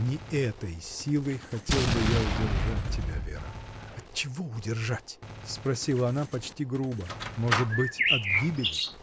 — Не этой силой хотел бы я удержать тебя, Вера! — От чего удержать? — спросила она почти грубо. — Может быть — от гибели.